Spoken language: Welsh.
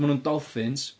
Maen nhw'n dolffins.